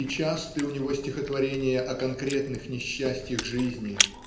И часты у него стихотворения о конкретных несчастьях жизни